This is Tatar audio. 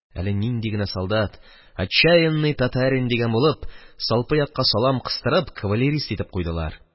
Әле нинди генә солдат, отчаянный татарин дигән булып, салпы якка салам кыстырып, кавалерист итеп куйдылар.